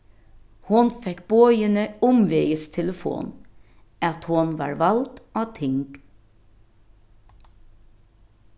hon fekk boðini umvegis telefon at hon varð vald á ting